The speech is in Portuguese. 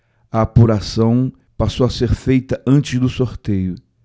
a apuração passou a ser feita antes do sorteio